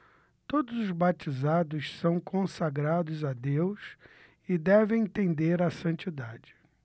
todos os batizados são consagrados a deus e devem tender à santidade